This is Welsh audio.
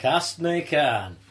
Cas neu cân?